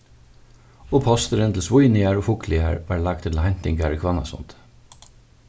og posturin til svínoyar og fugloyar varð lagdur til heintingar í hvannasundi